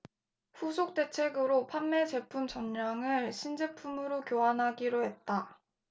후속 대책으로 판매 제품 전량을 신제품으로 교환하기로 했다